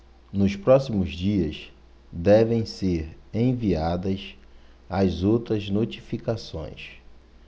nos próximos dias devem ser enviadas as outras notificações